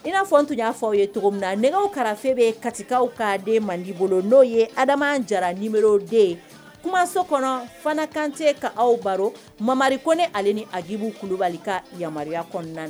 I na fɔ n tun ya fɔ a ye cogo min na , nɛgɛ karafe bɛ katikaw ka den mandi bolo no ye Adama Jara numéro 2 kumaso kɔnɔ Fana Kante . Ka aw baro Mamari kone ale ni Agibu kulubali ka yamaruya kɔnɔna na.